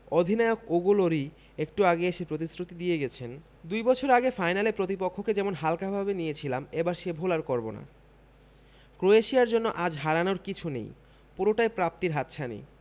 অধিনায়ক Hugo Lloris একটু আগে এসে প্রতিশ্রুতি দিয়ে গেছেন দুই বছর আগে ফাইনালের প্রতিপক্ষকে যেমন হালকাভাবে নিয়েছিলাম এবার সে ভুল আর করব না ক্রোয়েশিয়ার জন্য আজ হারানোর কিছু নেই পুরোটাই প্রাপ্তির হাতছানি